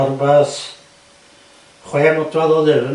a rwbath chwe modfadd o ddyfn.